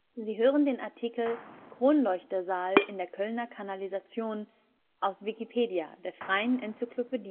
Sie hören den Artikel Kronleuchtersaal in der Kölner Kanalisation, aus Wikipedia, der freien Enzyklopädie